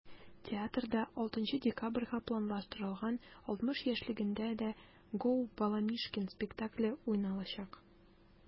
Театрда 6 декабрьгә планлаштырылган 60 яшьлегендә дә “Gо!Баламишкин" спектакле уйналачак.